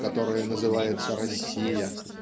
которое называется Россия.